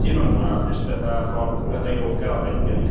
Dim ymladd, jyst fatha ffordd... fatha yoga o beth 'di o, ie?